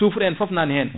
toufre en foof nani hen